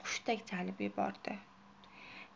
hushtak chalib yubordi